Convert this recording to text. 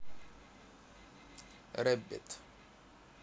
rabbit